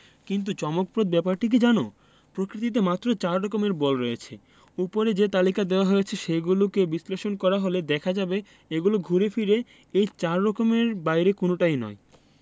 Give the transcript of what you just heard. কিন্তু চমকপ্রদ ব্যাপারটি কী জানো প্রকৃতিতে মাত্র চার রকমের বল রয়েছে ওপরে যে তালিকা দেওয়া হয়েছে সেগুলোকে বিশ্লেষণ করা হলে দেখা যাবে এগুলো ঘুরে ফিরে এই চার রকমের বাইরে কোনোটাই নয়